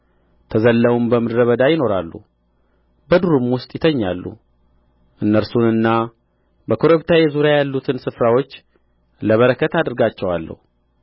ተዘልለውም በምድረ በዳ ይኖራሉ በዱርም ውስጥ ይተኛሉ እነርሱንና በኮረብታዬ ዙሪያ ያሉትን ስፍራዎች ለበረከት አደርጋቸዋለሁ